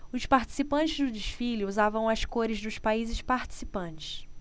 os participantes do desfile usavam as cores dos países participantes